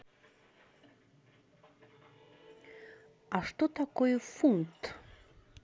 а что такое фунт